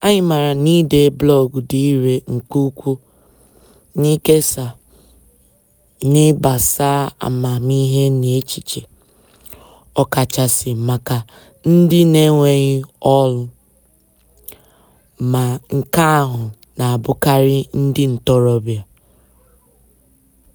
Anyị maara na ide blọọgụ dị irè nke ukwuu n'ikesa na ịgbasa amamihe na echiche, ọkachasị maka ndị n'enweghị "olu" - ma nke ahụ na-abụkarị ndị ntorobịa.